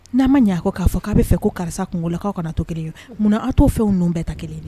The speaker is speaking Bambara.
N'a ma ɲɛ a ko k'a k' a bɛa fɛ ko karisa kungolakaw kana to kelen munna' to fɛnw ninnu bɛɛ ta kelen ye